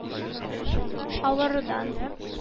Авырудан